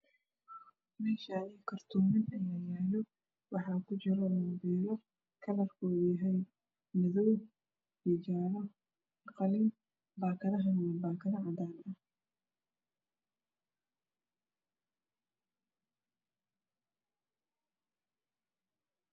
Meeshaan kortooman ayaa yaalo waxaa kujiro muubeelo kalarkiisu uu yahay Madow, jaale, qalin baakadahana waa cadaan.